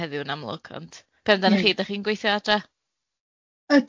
heddiw'n amlwg, ond be' amdano chi, dach chi'n gweithio o adra?